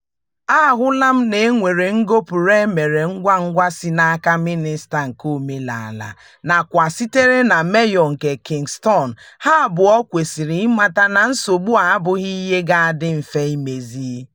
Ahụla m na e nwere ngọpụrụ e mere ngwangwa si n'aka Mịnịsta nke Omenala nakwa nke sitere na Meyọ nke Kingston. Ha abụọ kwesịrị ịmata na nsogbu a abụghị ihe ga-adị mfe imezi.